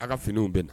A' ka finiw bena